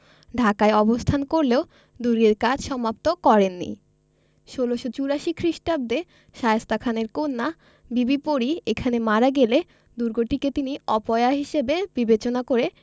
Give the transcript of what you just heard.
ঢাকায় অবস্থান করলেও দুর্গের কাজ সমাপ্ত করেন নি ১৬৮৪ খ্রিস্টাব্দে শায়েস্তা খানের কন্যা বিবি পরী এখানে মারা গেলে দুর্গটিকে তিনি অপয়া হিসেবে বিবেচনা করে